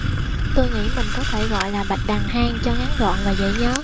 tôi nghĩ mình có thể gọi là bạch đằng hang cho ngắn gọn và dễ nhớ